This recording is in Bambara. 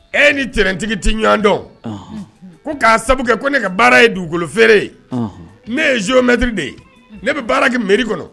E ni ntɛnɛntigi tɛ ɲɔgɔndɔn ko k'a ko ne ka baara ye dugukolo feereere ye ne ye zomɛtiriri de ye ne bɛ baara kɛ miri kɔnɔ